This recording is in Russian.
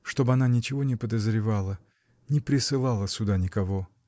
чтоб она ничего не подозревала. не присылала сюда никого.